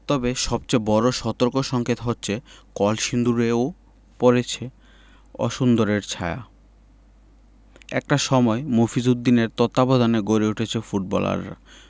তবে সবচেয়ে বড় সতর্কসংকেত হচ্ছে কলসিন্দুরেও পড়েছে অসুন্দরের ছায়া একটা সময় মফিজ উদ্দিনের তত্ত্বাবধানেই গড়ে উঠেছে ফুটবলাররা